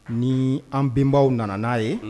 Ni an benbaw nana n'a ye